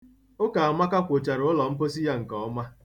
Ụkamaka kwochara ụlọ mposi ya nke ọma.